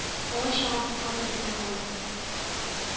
Бала чага капка төбендә калды